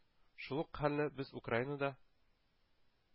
Шул ук хәлне без Украинада,